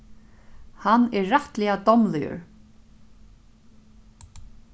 hann er rættiliga dámligur